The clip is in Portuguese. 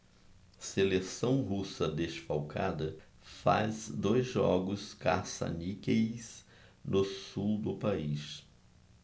seleção russa desfalcada faz dois jogos caça-níqueis no sul do país